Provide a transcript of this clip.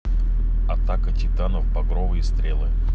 атака титанов багровые стрелы